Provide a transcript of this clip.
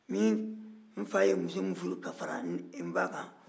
min nfa ye muso min furu k'a fara nba kan